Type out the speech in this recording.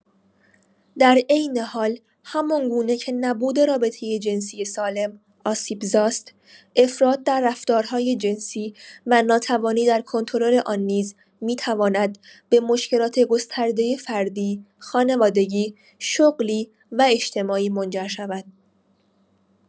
در عین حال، همان‌گونه که نبود رابطه جنسی سالم آسیب‌زاست، افراط در رفتارهای جنسی و ناتوانی در کنترل آن نیز می‌تواند به مشکلات گسترده فردی، خانوادگی، شغلی و اجتماعی منجر شود.